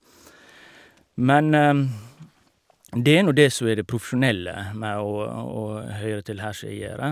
Men det er nå det som er det profesjonelle med å å høre til her som jeg gjør.